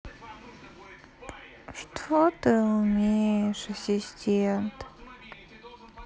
что ты умеешь ассистент